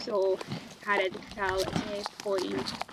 So tymheredd uchel ne' poen